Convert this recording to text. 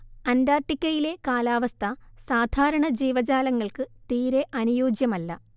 അന്റാർട്ടിക്കയിലെ കാലാവസ്ഥ സാധാരണ ജീവജാലങ്ങൾക്ക് തീരെ അനുയോജ്യമല്ല